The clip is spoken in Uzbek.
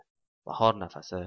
bahor nafasi